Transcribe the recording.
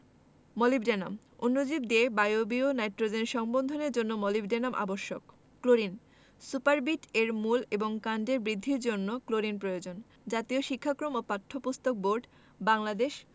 molybdenum অণুজীব দিয়ে বায়বীয় নাইট্রোজেন সংবন্ধনের জন্য মোলিবডেনাম আবশ্যক ক্লোরিন সুপারবিট এর মূল এবং কাণ্ডের বৃদ্ধির জন্য ক্লোরিন প্রয়োজন জাতীয় শিক্ষাক্রম ওপাঠ্যপুস্তক বোর্ড বাংলাদেশ